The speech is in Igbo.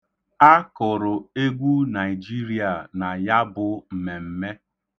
A kụrụ egwu Naịjiria na ya bụ mmemme.